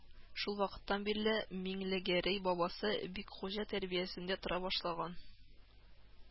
Шулвакыттан бирле Миңлегәрәй бабасы Бикхуҗа тәрбиясендә тора башлаган